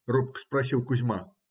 - робко спросил Кузьма.